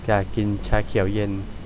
อยากกินชาเขียวเย็น